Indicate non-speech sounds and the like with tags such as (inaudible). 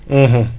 (hesitation) (hesitation)